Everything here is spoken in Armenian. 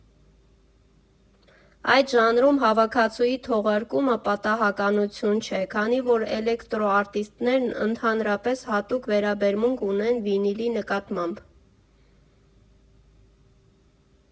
Այդ ժանրում հավաքածուի թողարկումը պատահականություն չէ, քանի որ էլեկտրո արտիստներն ընդհանրապես հատուկ վերաբերմունք ունեն վինիլի նկատմամբ։